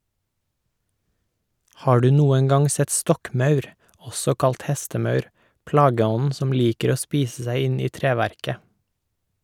Har du noen gang sett stokkmaur, også kalt hestemaur, plageånden som liker å spise seg inn i treverket?